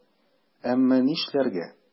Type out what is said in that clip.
Әмма нишләргә?!